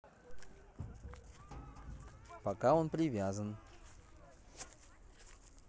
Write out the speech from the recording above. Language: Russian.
пока он привязан